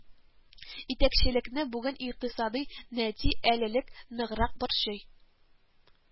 Итәкчелекне бүген икътисади нәти әлелек ныграк борчый